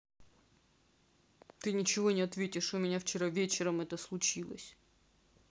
ты ничего не ответишь у меня вчера вечером это случилось